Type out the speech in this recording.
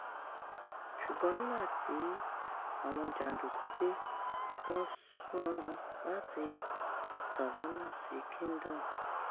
Ṣùgbọ́n nígbà tí àwọn jàndùkú dé, wọ́n sún láti "Savannah" sí Kingdom'